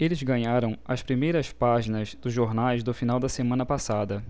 eles ganharam as primeiras páginas dos jornais do final da semana passada